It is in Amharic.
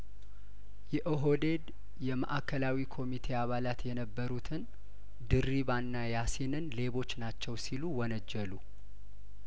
የኦህዴድ የማእከላዊ ኮሚቴ አባላት የነበሩትን ድሪባና ያሲንን ሌቦች ናቸው ሲሉ ወነጀሉ